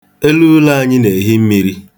Elu ụlọ anyị na-ehi mmiri.